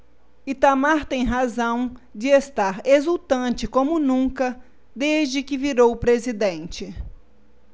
itamar tem razão de estar exultante como nunca desde que virou presidente